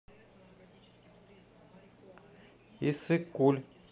иссык куль